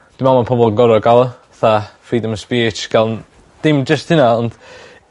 Dwi me'wl ma' pobol yn gor'o' ga'l o fatha freedom of speech gan... Dim jyst hynna ond